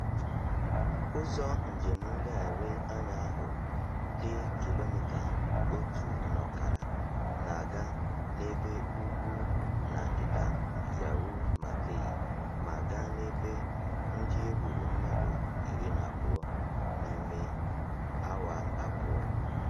Ụzọ njem nlegharị anya ahụ dị kilomịta1.5 na-aga n'ebe ugwu na ndịda Yau Ma Tei ma gaa n'ebe ndị e gburu mmadụ 12 n'ime awa abụọ.